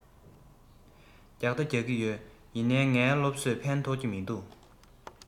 རྒྱག དང རྒྱག གི ཡོད ཡིན ནའི ངའི སློབ གསོས ཕན ཐོགས ཀྱི མི འདུག